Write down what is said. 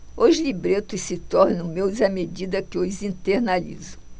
os libretos se tornam meus à medida que os internalizo